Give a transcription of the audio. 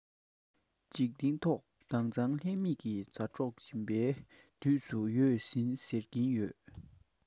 འཇིག རྟེན ཐོག དྭངས གཙང ལྷད མེད ཀྱི མཛའ གྲོགས བྱིས པའི དུས སུ ཡོད ཞེས ཟེར གྱིན ཡོད